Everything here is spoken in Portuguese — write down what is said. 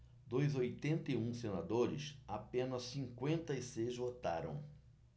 dos oitenta e um senadores apenas cinquenta e seis votaram